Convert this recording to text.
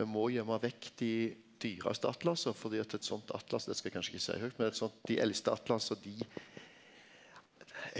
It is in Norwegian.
me må gøyma vekk dei dyraste atlasa fordi at eit sånt atlas det skal eg kanskje ikkje seie høgt men eit sånt dei eldste atlasa dei